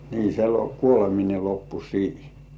niin se - kuoleminen loppui siihen